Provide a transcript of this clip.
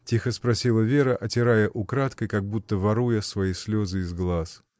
— тихо спросила Вера, отирая украдкой, как будто воруя свои слезы из глаз.